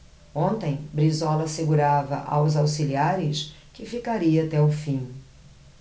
ontem brizola assegurava aos auxiliares que ficaria até o fim